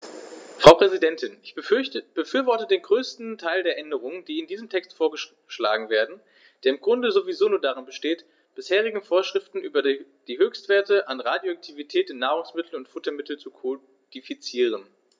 Frau Präsidentin, ich befürworte den größten Teil der Änderungen, die in diesem Text vorgeschlagen werden, der im Grunde sowieso nur darin besteht, bisherige Vorschriften über die Höchstwerte an Radioaktivität in Nahrungsmitteln und Futtermitteln zu kodifizieren.